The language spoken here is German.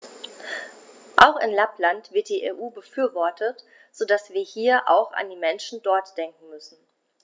Auch in Lappland wird die EU befürwortet, so dass wir hier auch an die Menschen dort denken müssen.